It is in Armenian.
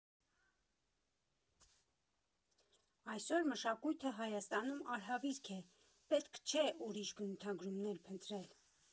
Այսօր մշակույթը Հայաստանում արհավիրք է՝ պետք չի ուրիշ բնութագրումներ փնտրել։